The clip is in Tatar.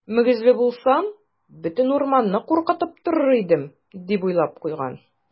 Мөгезле булсам, бөтен урманны куркытып торыр идем, - дип уйлап куйган.